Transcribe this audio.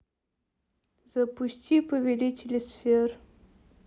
запусти повелители сфер